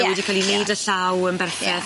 wedi ca'l i neud â llaw yn berffeth. Ie.